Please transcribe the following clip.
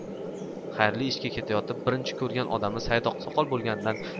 xayrli ishga ketayotib birinchi ko'rgan odami saidoqsoqol bo'lganidan